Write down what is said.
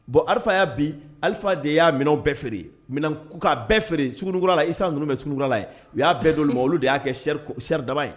Bon ali y' bi alifa de y'a minɛn bɛɛ feere' bɛɛ feere sunkurala isa ninnu bɛ sunurunugukurala u y'a don ma olu de y'a kɛ sɛri damaba ye